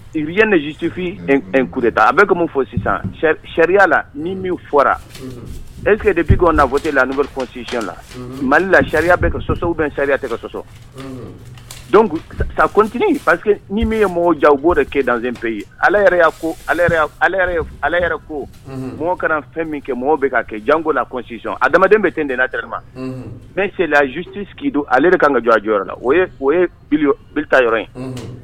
Sufinta a bɛ fɔ sisan sariyaya la ni min fɔra ese de bi na fɔ la ni siy la mali la sariya sɔsɔw bɛ sariya tɛ ka sɔsɔ sa kɔntinin pa que ni min ye mɔgɔw ja bɔo de kedp ye ala ko ala ko mɔgɔ kana fɛn min kɛ mɔgɔw bɛ ka kɛ janko la kosisɔnɔn a adamadamaden bɛ ten de'tɛma n sariyasi k'do ale de ka ka jɔj na o o yɔrɔ ye